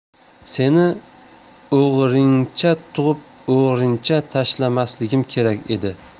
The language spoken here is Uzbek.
seni o'g'rincha tug'ib o'g'rincha tashlamasligim kerak edi